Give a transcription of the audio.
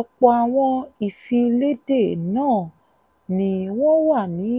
Ọ̀pọ̀ àwọn ìfiléde náà ni wọ́n wà ní